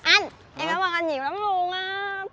anh em cám ơn anh nhiều lắm lun á